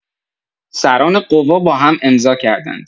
سران قوا با هم امضا کردند.